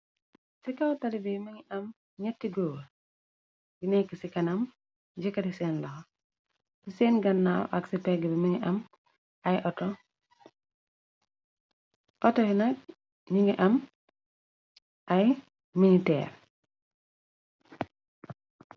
Ci kaw tali biy ma ngi am gñetti guwa gi nekk ci kanam yëkati seen loho ci seen gannaaw ak ci pegg bi mni atoinag ñi ngi am ay militeer.